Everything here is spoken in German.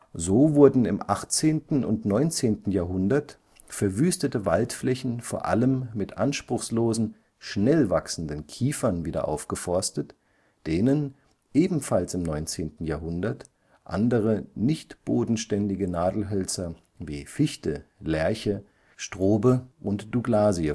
So wurden im 18. und 19. Jahrhundert verwüstete Waldflächen vor allem mit anspruchslosen, schnellwachsenden Kiefern wieder aufgeforstet, denen, ebenfalls im 19. Jahrhundert, andere, nicht bodenständige Nadelhölzer wie Fichte, Lärche, Weymouthskiefer (Strobe) und Douglasie